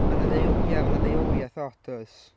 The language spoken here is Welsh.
Mae 'na ddeu- ia, ma' 'na ddeuoliaeth od does?